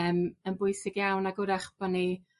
yym yn bwysig iawn ag 'w'rach bo' ni